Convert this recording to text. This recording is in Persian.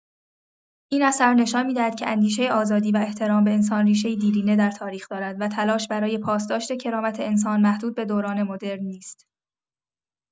این اثر نشان می‌دهد که اندیشه آزادی و احترام به انسان ریشه‌ای دیرینه در تاریخ دارد و تلاش برای پاسداشت کرامت انسان محدود به دوران مدرن نیست.